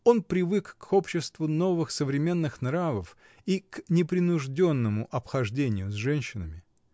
Он привык к обществу новых современных нравов и к непринужденному обхождению с женщинами.